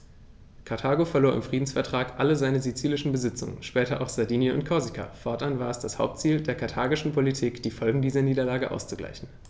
Karthago verlor im Friedensvertrag alle seine sizilischen Besitzungen (später auch Sardinien und Korsika); fortan war es das Hauptziel der karthagischen Politik, die Folgen dieser Niederlage auszugleichen.